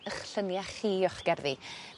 'ych llynia chi o'ch gerddi